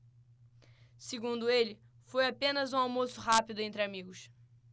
segundo ele foi apenas um almoço rápido entre amigos